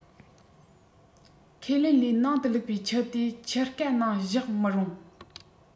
ཁས ལེན ལས ནང དུ བླུག པའི ཆུ དེ ཆུ རྐ ནང བཞག མི རུང